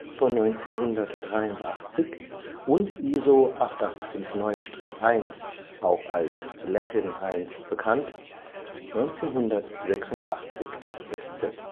von 1983 und ISO 8859-1 (auch als Latin-1 bekannt) 1986 das Eszett